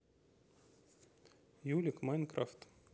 юлик майнкрафт